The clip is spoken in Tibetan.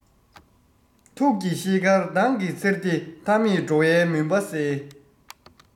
ཐུགས ཀྱི ཤེལ དཀར མདངས ཀྱིས འཚེར ཏེ མཐའ མེད འགྲོ བའི མུན པ བསལ